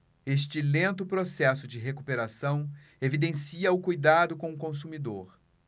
este lento processo de recuperação evidencia o cuidado com o consumidor